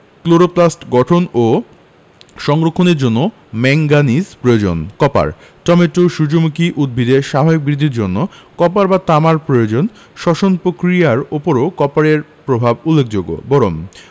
chloroplast গঠন ও সংরক্ষণের জন্য ম্যাংগানিজ প্রয়োজন কপার টমেটো সূর্যমুখী উদ্ভিদের স্বাভাবিক বৃদ্ধির জন্য কপার বা তামার প্রয়োজন শ্বসন পক্রিয়ার উপরও কপারের প্রভাব উল্লেখযোগ্য বোরন